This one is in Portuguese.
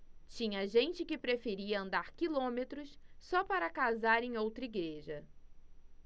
tinha gente que preferia andar quilômetros só para casar em outra igreja